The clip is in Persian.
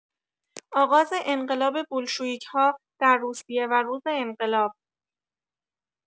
آغاز انقلاب بلشویک‌ها در روسیه و روز انقلاب